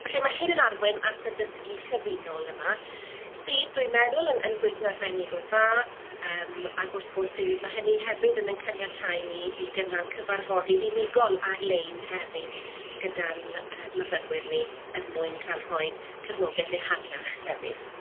felly ma' hyn yn arwain at y dysgu cyfunol yma sydd, dwi'n meddwl, yn yn gweithio'n arbennig o dda yym ac wrth gwrs ma' hynny hefyd yn yn ein caniatau ni i gynnal cyfarfodydd unigol ar-lein hefyd gyda'n yy myfyrwyr ni er mwyn cael rhoi cefnogaeth ehangach hefyd.